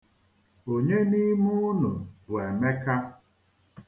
Onye n'ime unu bụ Emeka?